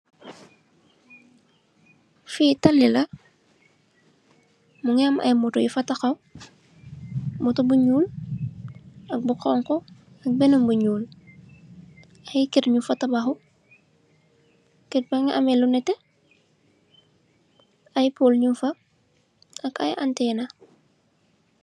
Fee tali la mungi am ay moto yufa takhaw moto bu nyool ak bu xonxu ak benen bu nyool ay kerr nyung fa tabakhu kerr banyi ameh lu nete ay pol nyung fa ak ay antena